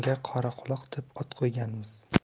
qoraquloq deb ot qo'yganmiz